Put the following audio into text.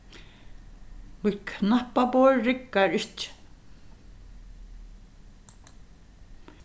mítt knappaborð riggar ikki